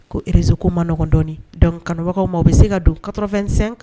Ko rizkomaɔgɔndɔ kanubagaw ma u bɛ se ka don kasɔrɔfɛnsɛn